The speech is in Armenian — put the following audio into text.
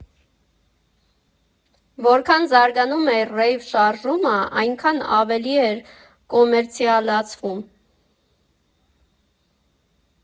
Որքան զարգանում էր ռեյվ֊շարժումը, այնքան ավելի էր այն կոմերցիալացվում։